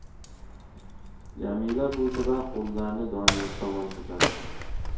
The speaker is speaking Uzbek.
jamila bu safar qo'llarini doniyor tomon uzatdi